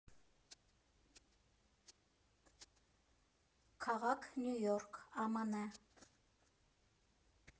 Քաղաք՝ Նյու Յորք, ԱՄՆ։